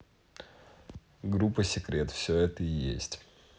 группа секрет все это и есть